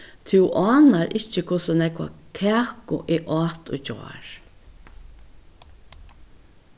tú ánar ikki hvussu nógva kaku eg át í gjár